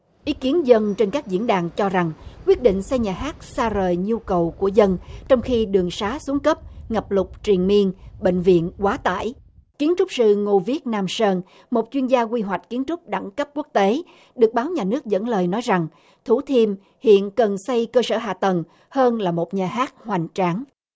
ý kiến dân trên các diễn đàn cho rằng quyết định xây nhà hát xa rời nhu cầu của dân trong khi đường sá xuống cấp ngập lụt triền miên bệnh viện quá tải kiến trúc sư ngô viết nam sơn một chuyên gia quy hoạch kiến trúc đẳng cấp quốc tế được báo nhà nước dẫn lời nói rằng thủ thiêm hiện cần xây cơ sở hạ tầng hơn là một nhà hát hoành tráng